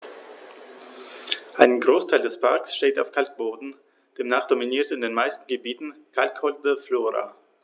Ein Großteil des Parks steht auf Kalkboden, demnach dominiert in den meisten Gebieten kalkholde Flora.